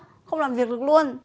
không làm việc được luôn